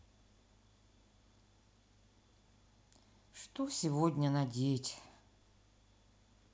что сегодня надеть